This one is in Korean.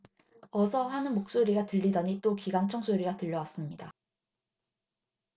어서 하는 목소리가 들리더니 또 기관총 소리가 들려왔습니다